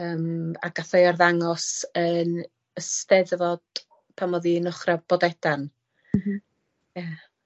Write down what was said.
yym a gath ei arddangos yn y Steddfod pan odd 'i'n ochra' Bodedan. M-hm. Ia.